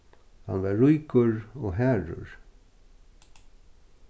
hann var ríkur og harður